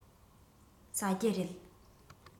ཟ རྒྱུ རེད